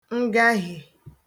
ngahiè